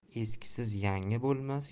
eskisiz yangi bo'lmas